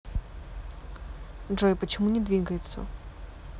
джой почему не двигается